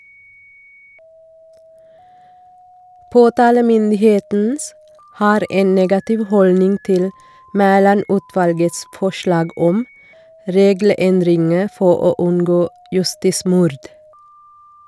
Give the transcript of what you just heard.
Påtalemyndigheten har en negativ holdning til Mæland-utvalgets forslag om regelendringer for å unngå justismord.